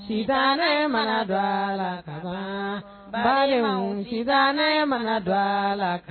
San ne manada balima ne manada